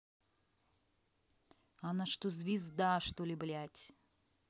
она что звезда что ли блядь